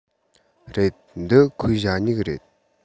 རེད འདི ཁོའི ཞ སྨྱུག རེད